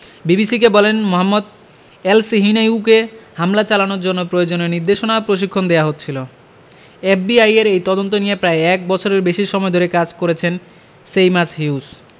বিবিসিকে বলেন মোহাম্মদ এলসহিনাইউকে হামলা চালানোর জন্য প্রয়োজনীয় নির্দেশনা ও প্রশিক্ষণ দেওয়া হচ্ছিল এফবিআইয়ের এই তদন্ত নিয়ে প্রায় এক বছরের বেশি সময় ধরে কাজ করেছেন সেইমাস হিউজ